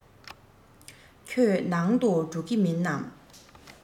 ཁྱོད ནང དུ འགྲོ གི མིན ནམ